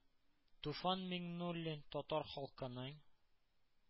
Туфан Миңнуллин – татар халкының